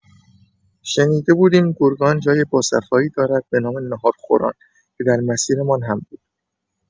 شنیده بودیم گرگان جای با صفایی دارد به نام ناهارخوران که در مسیرمان هم بود.